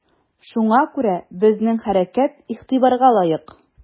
Шуңа күрә безнең хәрәкәт игътибарга лаек.